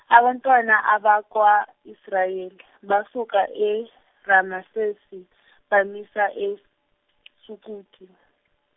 abantwana a bakwa Israel basuka eRamasesi bamisa eSukoti.